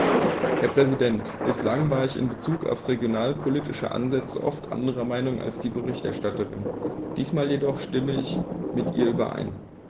Herr Präsident, bislang war ich in Bezug auf regionalpolitische Ansätze oft anderer Meinung als die Berichterstatterin, diesmal jedoch stimme ich mit ihr überein.